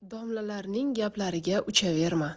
domlalarning gaplariga uchaverma